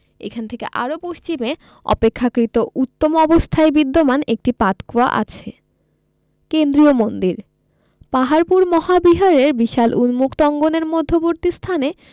এখান থেকে আরও পশ্চিমে অপেক্ষাকৃত উত্তম অবস্থায় বিদ্যমান একটি পাতকুয়া আছে কেন্দ্রীয় মন্দিরঃ পাহাড়পুর মহাবিহারের বিশাল উন্মুক্ত অঙ্গনের মধ্যবর্তী স্থানে